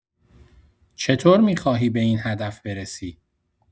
چطور می‌خواهی به این هدف برسی؟